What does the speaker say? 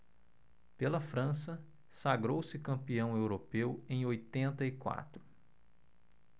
pela frança sagrou-se campeão europeu em oitenta e quatro